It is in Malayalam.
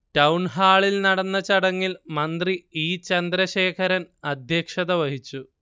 ടൗൺഹാളിൽ നടന്ന ചടങ്ങിൽ മന്ത്രി ഇ. ചന്ദ്രശേഖരൻ അധ്യക്ഷത വഹിച്ചു